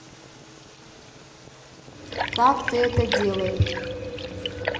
как ты это делает